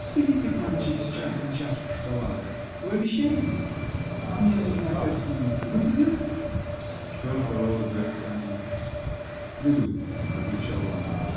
-- Придите к нам через час на чашку шоколада. Вы обещаетесь? А мне нужно опять к нему! Вы придете? Что оставалось делать Санину? -- Приду, -- ответил он.